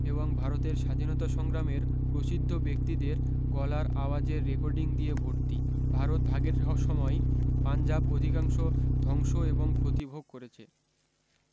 এবং ভারতের স্বাধীনতা সংগ্রামের প্রসিদ্ধ ব্যক্তিদের গলার আওয়াজের রেকর্ডিং দিয়ে ভর্তি ভারত ভাগের সময় পাঞ্জাব অধিকাংশ ধ্বংস এবং ক্ষতি ভোগ করেছে